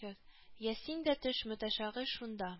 Йә, син дә төш, мөтәшагыйрь, шунда